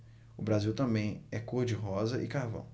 o brasil também é cor de rosa e carvão